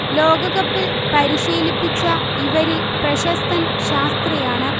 ലോകകപ്പിൽ പരിശീലിപ്പിച്ച ഇവരിൽ പ്രശസ്തൻ ശാസ്ത്രിയാണ്